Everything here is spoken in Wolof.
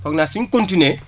foog naa suñu continuer